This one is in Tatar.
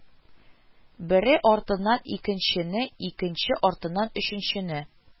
Бере артыннан икенчене, икенче артыннан өченче